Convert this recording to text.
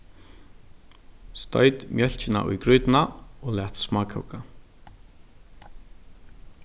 stoyt mjólkina í grýtuna og lat smákóka